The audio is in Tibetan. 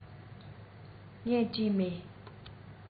ངས བྲིས མེད